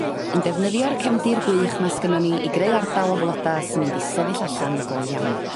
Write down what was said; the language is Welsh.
yn defnyddio'r cefndir gwych 'ma sgennon ni i greu ardal o floda sy'n mynd i sefyll allan go iawn.